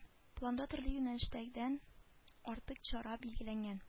Планда төрле юнәлештәге дән артык чара билгеләнгән